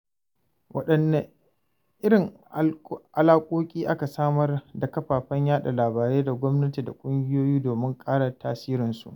Waɗanne irin alaƙoƙi aka samar da kafafen yaɗa labarai da gwamnati da ƙungiyoyi domin ƙara tasirinsu?